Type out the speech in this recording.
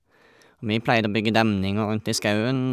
Vi pleide å bygge demninger rundt i skauen.